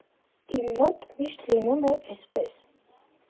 Իմ մոտ միշտ լինում է էսպես.